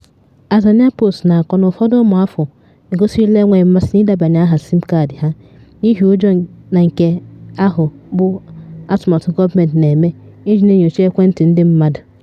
Azania Post na-akọ na ụfọdụ ụmụafọ egosila enweghị mmasị n'idebanye aha SIM kaadị ha n'ihi ụjọ na nke ahụ bụ "atụmatụ gọọmentị na-eme iji na-enyocha ekwentị ndị mmadụ."